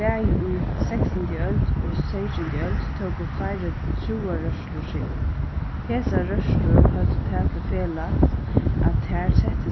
bæði í sekstandu øld og seytjandu øld tóku fleiri trúarrørslur seg upp hesar rørslur høvdu tað til felags at tær settu